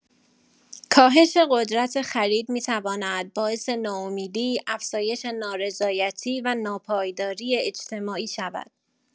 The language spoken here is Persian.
کاهش قدرت خرید می‌تواند باعث ناامیدی، افزایش نارضایتی و ناپایداری اجتماعی شود.